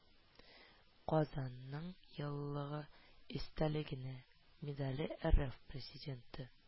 “казанның еллыгы истәлегенә” медале рф президенты